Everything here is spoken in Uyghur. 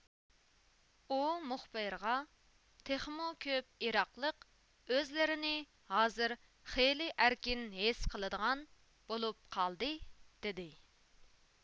ئۇ مۇخبىرغا تېخىمۇ كۆپ ئىراقلىق ئۆزلىرىنى ھازىر خېلى ئەركىن ھېس قىلىدىغان بولۇپ قالدى دېدى